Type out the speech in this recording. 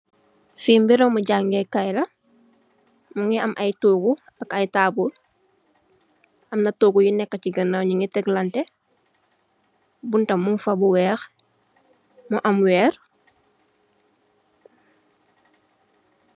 Fi barabi jangèè kai la mu am ay tóógu ak ay tabull am na tóógu yu nèkka ci ganaw ñi ngi teklanteh, bunta muñ fa bu wèèx bu am wèèr.